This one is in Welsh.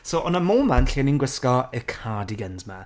so, odd 'na moment lle o'n i'n gwisgo, y cardigans 'ma.